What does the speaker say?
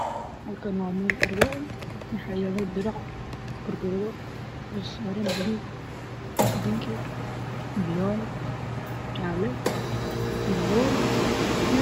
Halkaan waa meel carwo ah waxaa yaalo diracyo iyo gorgorado